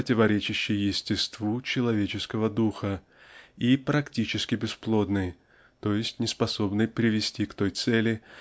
противоречащей естеству человеческого духа и практически бесплодной т. е. неспособной привести к той цели